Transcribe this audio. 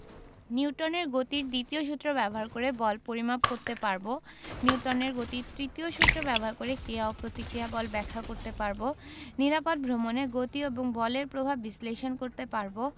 নিউটনের গতির দ্বিতীয় সূত্র ব্যবহার করে বল পরিমাপ করতে পারব নিউটনের গতির তৃতীয় সূত্র ব্যবহার করে ক্রিয়া ও প্রতিক্রিয়া বল ব্যাখ্যা করতে পারব নিরাপদ ভ্রমণে গতি এবং বলের প্রভাব বিশ্লেষণ করতে পারব